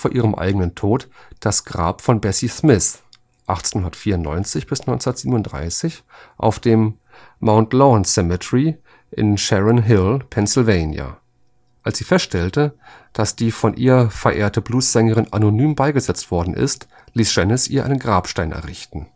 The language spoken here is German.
ihrem eigenen Tod, das Grab von Bessie Smith (1894 – 1937) auf dem Mount Lawn Cemetery in Sharon Hill, Pennsylvania. Als sie feststellte, dass die von ihr verehrte Bluessängerin anonym beigesetzt worden war, ließ Janis ihr einen Grabstein errichten